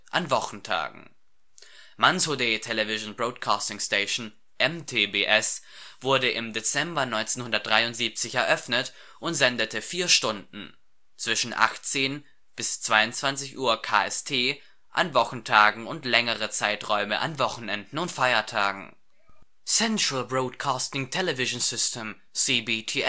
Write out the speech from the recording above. an Wochentagen. Mansudae Television Broadcasting Station (MTBS) wurde im Dezember 1973 eröffnet und sendete 4 Stunden, zwischen 18:00 bis 22:00 Uhr KST, an Wochentagen und längere Zeiträume an Wochenenden und Feiertagen. Central Broadcasting Television System (CBTS